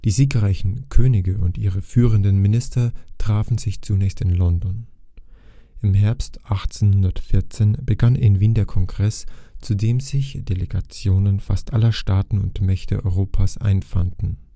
siegreichen Könige und ihre führenden Minister trafen sich zunächst in London. Im Herbst 1814 begann in Wien der Kongress, zu dem sich Delegationen fast aller Staaten und Mächte Europas einfanden